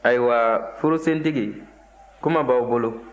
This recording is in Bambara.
ayiwa furusentigi kuma b'aw bolo